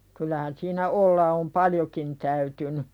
kyllähän siinä olla on paljonkin täytynyt